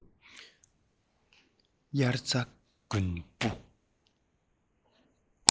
དབྱར རྩྭ དགུན འབུ